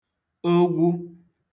ogwu